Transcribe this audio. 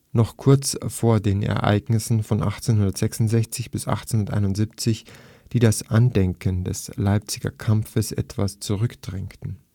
noch kurz vor den Ereignissen von 1866 bis 1871, die das Andenken des Leipziger Kampfes etwas zurückdrängten